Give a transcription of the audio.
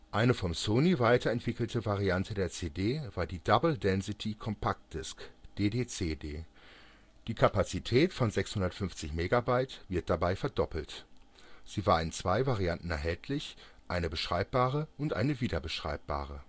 Eine von Sony weiterentwickelte Variante der CD war die Double Density Compact Disc (DDCD). Die Kapazität von 650 MB wird dabei verdoppelt. Sie war in 2 Varianten erhältlich, eine beschreibbare (DDCD-R) und eine wiederbeschreibbare